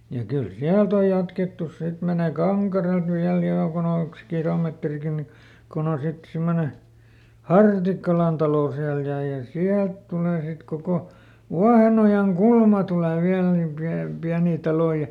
ja kyllä sieltä on jatkettu sitten menemään Kankareelta vielä jonkun ollekos kilometrikin niin kun on sitten semmoinen Hartikkalan talo siellä ja ja sieltä tulee sitten koko Vuohenojankulma tulee vielä niin - pieniä taloja ja